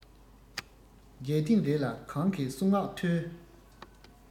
མཇལ ཐེངས རེ ལ གང གི གསུང ངག ཐོས